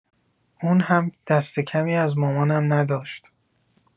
اون هم دست‌کمی از مامانم نداشت.